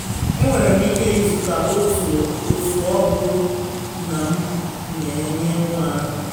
Enwere m ike ịzụta otu ọ bụrụ na m na enye nwa ara.